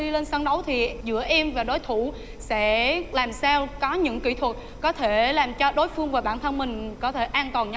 khi lên sân đấu thì giữa em và đối thủ sẽ làm sao có những kỹ thuật có thể làm cho đối phương và bản thân mình có thể an toàn nhất